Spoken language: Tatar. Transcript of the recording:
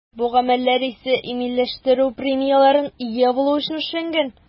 Бу гамәлләр исә иминиятләштерү премияләренә ия булу өчен шулай эшләнгән.